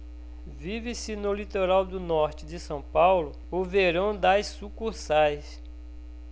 vive-se no litoral norte de são paulo o verão das sucursais